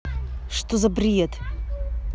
что за бред